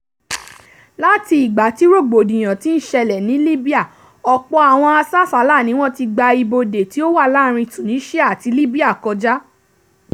Láti ìgbà tí rògbòdìyàn ti ń ṣẹlẹ̀ ní Libya, ọ̀pọ̀ àwọn asásàálà ni wọ́n ti gba ibodè tí ó wà láàárín Tunisia àti Libya kọjá.